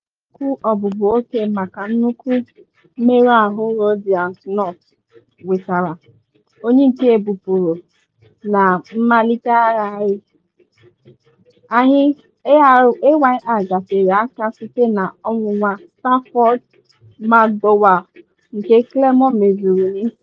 Enwere nnukwu ogbugbu oge maka nnukwu mmerụ ahụ Ruaridh Knott nwetara, onye nke ebupuru, na mmalitegharị, Ayr gatere aka site na ọnwụnwa Stafford McDowall, nke Climo mezuru n’isi.